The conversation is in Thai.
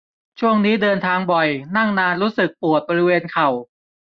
ช่วงนี้เดินทางบ่อยนั่งนานรู้สึกปวดบริเวณเข่า